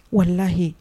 Walahi